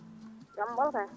jaam ɓoolo kayi